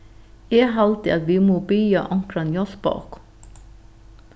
eg haldi at vit mugu biðja onkran hjálpa okkum